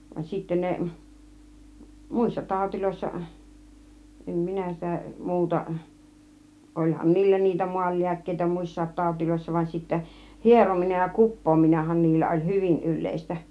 vaan sitten ne muissa taudeissa en minä sitä muuta olihan niillä niitä maanlääkkeitä muissakin taudeissa vaan sitten hierominen ja kuppaaminenhan niillä oli hyvin yleistä